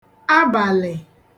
abàlị̀